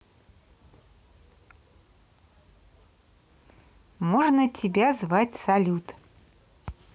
можно тебя звать салют